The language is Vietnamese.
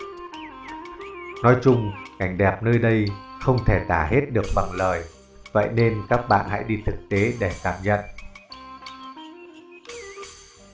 nói chung cảnh đẹp nơi đây không thể tả hết bằng lời vậy nên các bạn hãy đi thực tế để cảm nhận